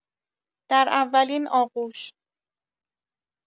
در اولین آغوش